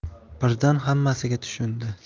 birdan hammasiga tushundi